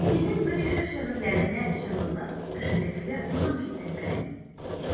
Фәйзинең берише шигырьләренә җылылык, кешелекле моң җитенкерәми.